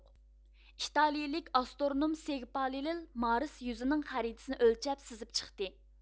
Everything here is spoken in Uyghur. ئىتالىيىلىك ئاسترونوم سېگپالېل مارس يۈزىنىڭ خەرىتىسىنى ئۆلچەپ سىزىپ چىقتى